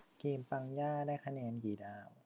เกมปังย่าได้คะแนนกี่ดาว